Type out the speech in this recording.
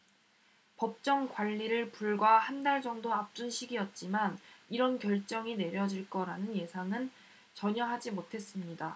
법정관리를 불과 한 달 정도 앞둔 시기였지만 이런 결정이 내려질 거라는 예상은 전혀 하지 못했습니다